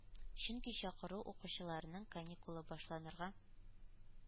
Чөнки чакыру укучыларның каникулы башланырга